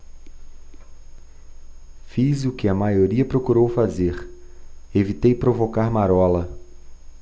fiz o que a maioria procurou fazer evitei provocar marola